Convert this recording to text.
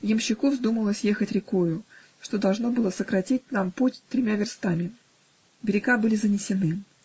Ямщику вздумалось ехать рекою, что должно было сократить нам путь тремя верстами. Берега были занесены